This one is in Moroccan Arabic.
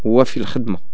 هو في الخدمة